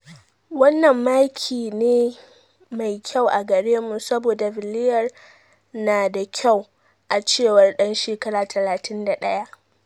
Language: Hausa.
"Wannan maki ne mai kyau a gare mu saboda Villarreal na da kyau," a cewar dan shekaru 31.